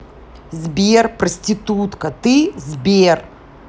сбер проститутка ты сбер